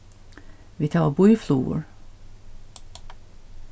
vit hava býflugur